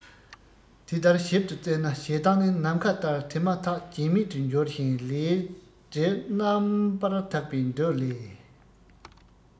དེ ལྟར ཞིབ ཏུ བཙལ ན ཞེ སྡང ནི ནམ མཁའ ལྟར དེ མ ཐག རྗེས མེད དུ འགྱུར ཞིང ལས སྒྲིབ རྣམ པར དག པའི མདོ ལས